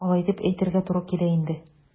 Алай дип әйтергә туры килә инде.